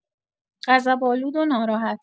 غضب‌آلود و ناراحت